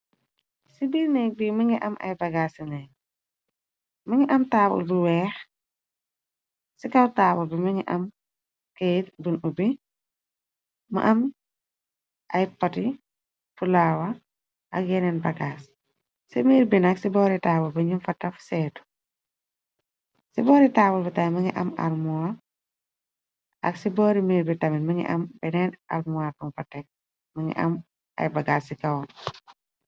Ci biir nekk bi mi ngi am ay bagaas cineeek, mun ngi am taabul bu weex ci kaw taabul bi mun ngi am keyt bun ubbi. Mu am ay poti fulawa ak yeneen bagaas. Ci miir bin nak ci boori taabul bi ñu fa taf seetu, ci boori taabul bu tàm mun ngi am armuarr ak ci boori miir bi tamit mi ngi am beneen armuarr bung fa tek mun ngi am ay bagaas ci kawam.